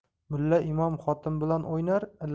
mulla imom xotin bilan